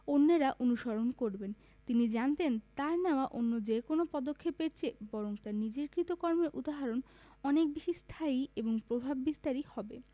অন্যেরা অনুসরণ করবেন তিনি জানতেন তাঁর নেওয়া অন্য যেকোনো পদক্ষেপের চেয়ে বরং তাঁর নিজের কৃতকর্মের উদাহরণ অনেক বেশি স্থায়ী এবং প্রভাববিস্তারী হবে